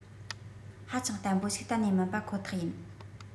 ཧ ཅང བརྟན པོ ཞིག གཏན ནས མིན པ ཁོ ཐག ཡིན